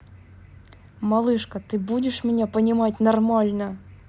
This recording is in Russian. малышка ты будешь меня понимать нормально